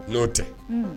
N'o tɛ